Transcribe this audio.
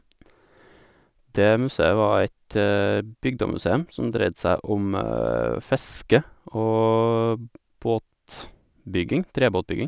Det museet var et bygdemuseum som dreide seg om fiske og båtbygging trebåtbygging.